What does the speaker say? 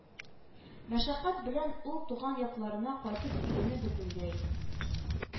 Мәшәкать белән ул туган якларына кайтып килүне бөтенләй